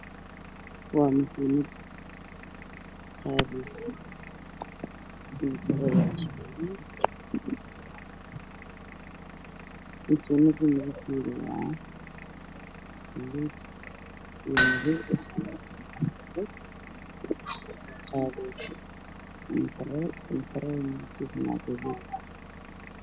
Waa musharax waxa uu wataa suud madow ah iyo kabo madow